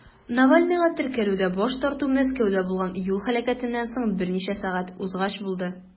Навальныйга теркәлүдә баш тарту Мәскәүдә булган юл һәлакәтеннән соң берничә сәгать узгач булды.